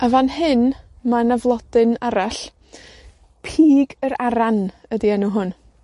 A fan hyn, ma 'na flodyn arall. Pig yr Aran ydi enw hwn.